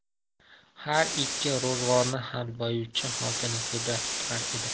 har ikki ro'zg'orni ham boyvuchcha xotini tebratib turar edi